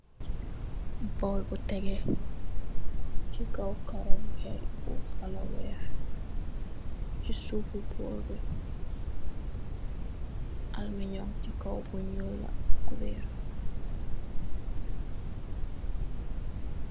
Bowl bu tegeh si kaw karo bu khala weex si sufi bowl bi alminyu si kaw bu nyul la ak kuberr